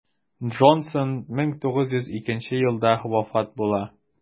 Джонсон 1902 елда вафат була.